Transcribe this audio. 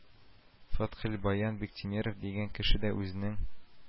Фәтхелбаян Биктимеров дигән кеше дә үзенең